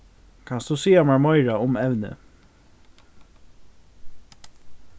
kanst tú siga mær meira um evnið